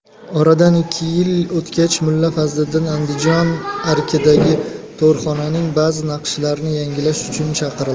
oradan ikki yil o'tgach mulla fazliddin andijon arkidagi to'rxonaning bazi naqshlarini yangilash uchun chaqirildi